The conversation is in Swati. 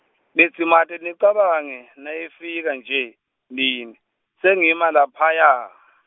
nidzimate nicabange nayefika nje nine, sengima laphaya.